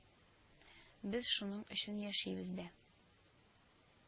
Без шуның өчен яшибез дә